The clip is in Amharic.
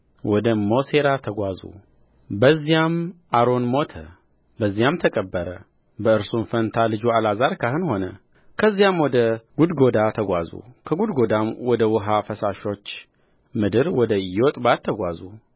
ወደ ሞሴራ ተጓዙ በዚያም አሮን ሞተ በዚያም ተቀበረ በእርሱም ፋንታ ልጁ አልዓዛር ካህን ሆነ ከዚያም ወደ ጉድጎዳ ተጓዙ ከጉድጎዳም ወደ ውኃ ፈሳሾች ምድር ወደ ዮጥባታ ተጓዙ